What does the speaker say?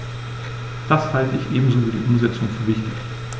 Das halte ich ebenso wie die Umsetzung für wichtig.